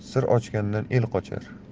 sir ochgandan el qochar